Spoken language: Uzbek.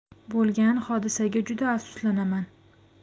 bo'lgan hodisaga juda afsuslanaman